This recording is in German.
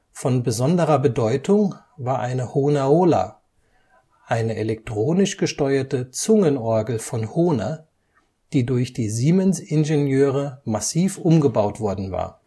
Von besonderer Bedeutung war eine Hohnerola, eine elektronisch gesteuerte Zungenorgel von Hohner, die durch die Siemens-Ingenieure massiv umgebaut worden war